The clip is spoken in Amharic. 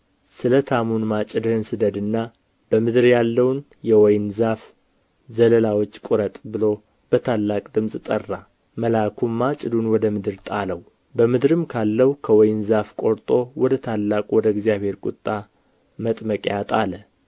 ስለታሙን ማጭድህን ስደድና በምድር ያለውን የወይን ዛፍ ዘለላዎች ቍረጥ ብሎ በታላቅ ድምፅ ጠራ መልአኩም ማጭዱን ወደ ምድር ጣለው በምድርም ካለው ከወይን ዛፍ ቈርጦ ወደ ታላቁ ወደ እግዚአብሔር ቍጣ መጥመቂያ ጣለ